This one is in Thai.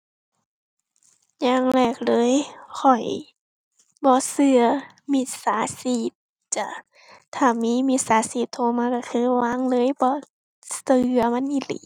อย่างแรกเลยข้อยบ่เชื่อมิจฉาชีพจ้า ถ้ามีมิจฉาชีพโทรมาเชื่อคือวางเลย บ่เชื่อมันอีหลี